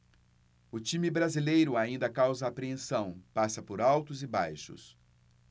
o time brasileiro ainda causa apreensão passa por altos e baixos